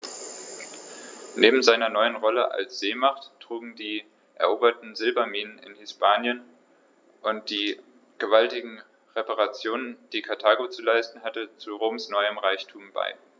Neben seiner neuen Rolle als Seemacht trugen auch die eroberten Silberminen in Hispanien und die gewaltigen Reparationen, die Karthago zu leisten hatte, zu Roms neuem Reichtum bei.